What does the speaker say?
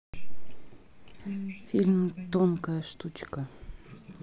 фильм тонкая штучка